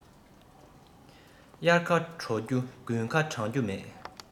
དབྱར ཁ དྲོ རྒྱུ དགུན ཁ གྲང རྒྱུ མེད